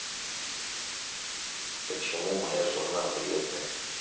почему моя жена вредная